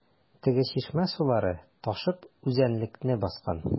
Теге чишмә сулары ташып үзәнлекне баскан.